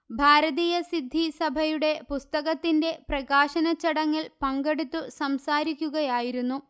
ഭാരതീയ സിദ്ധി സഭയുടെ പുസ്തകത്തിന്റെ പ്രകാശന ചടങ്ങിൽ പങ്കെടുത്തു സംസാരിക്കുകയായിരുന്നു